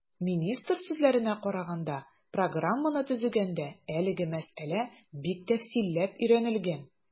Министр сүзләренә караганда, программаны төзегәндә әлеге мәсьәлә бик тәфсилләп өйрәнелгән.